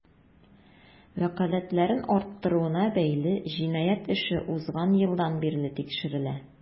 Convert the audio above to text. Вәкаләтләрен арттыруына бәйле җинаять эше узган елдан бирле тикшерелә.